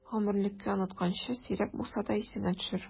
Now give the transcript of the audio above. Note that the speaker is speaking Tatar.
Гомерлеккә онытканчы, сирәк булса да исеңә төшер!